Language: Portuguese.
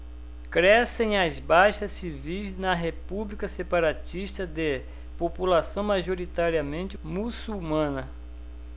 crescem as baixas civis na república separatista de população majoritariamente muçulmana